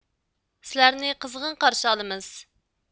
سىلەرنى قىزغىن قارشى ئالىمىز